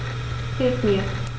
Hilf mir!